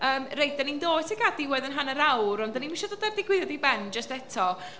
Yym reit dan ni'n dod tuag at diwedd ein hanner awr ond dan ni'm isio dod â'r ddigwyddiad i ben jyst eto